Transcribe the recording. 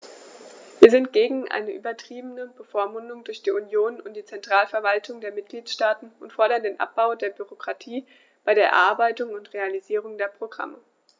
Wir sind gegen eine übertriebene Bevormundung durch die Union und die Zentralverwaltungen der Mitgliedstaaten und fordern den Abbau der Bürokratie bei der Erarbeitung und Realisierung der Programme.